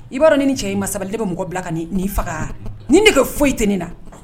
I b'a dɔn ni cɛ i ma saba i bɛ mɔgɔ bila ka ni faga ni ne kɛ foyi i tɛ ne na